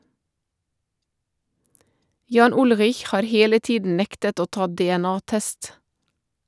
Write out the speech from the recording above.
Jan Ullrich har hele tiden nektet å ta DNA-test.